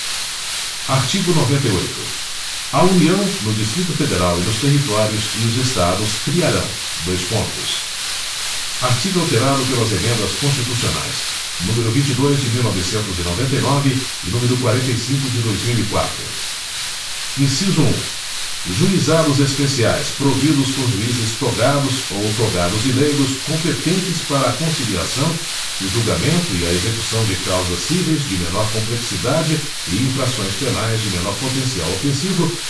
artigo noventa e oito a união no distrito federal e nos territórios e os estados criarão dois pontos artigo alterado pelas emendas constitucionais número vinte e dois de mil novecentos e noventa e nove e número quarenta e cinco de dois mil e quatro inciso um juizados especiais providos por juízes togados ou togados e leigos competentes para a conciliação o julgamento e a execução de causas cíveis de menor complexidade e infrações penais de menor potencial ofensivo